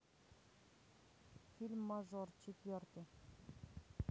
фильм мажор четвертый